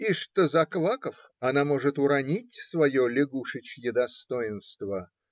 и что, заквакав, она может уронить свое лягушечье достоинство.